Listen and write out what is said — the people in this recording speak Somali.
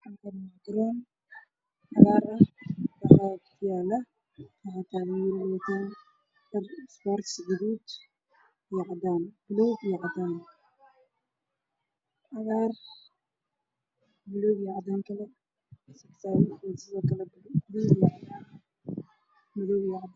Garoon cagaar ah dhar sports guduud iyo cadaan madow iyo cadaan